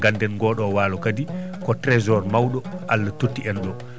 ganden ngoɗo walo kadi ko trésor mawɗo Alllah totti en ɗum